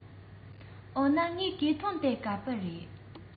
འོ ན ངའི གོས ཐུང དེ ག པར ཡོད